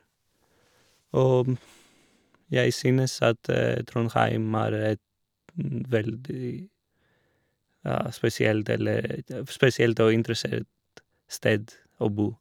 Og jeg synes at Trondheim er et veldig, ja, spesielt eller spesielt og interessert sted å bo.